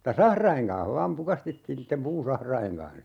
mutta sahrojen kanssa vain pukastettiin niiden puusahrojen kanssa